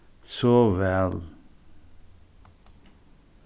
sov væl